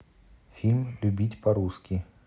фильм любить по русски